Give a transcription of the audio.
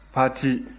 pati